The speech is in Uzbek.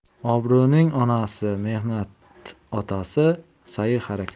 obro'ning onasi mehnat otasi sa'yi harakat